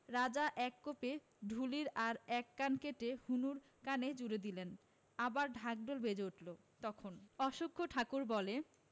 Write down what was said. রাজা এক কোপে ঢুলির আর এক কান কেটে হনুর কানে জুড়ে দিলেন আবার ঢাক ঢোল বেজে উঠল তখন অশ্বথ ঠাকুর বলে